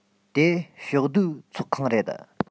དེ ཕྱོགས བསྡུས ཚོགས ཁང རེད